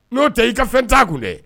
N'o tɛ i ka fɛn ta kun dɛ